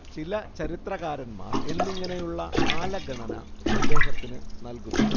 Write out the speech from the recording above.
ചില ചരിത്രകാരന്മാർ എന്നിങ്ങനെയുള്ള കാലഗണന അദ്ദേഹത്തിനു നല്കുന്നു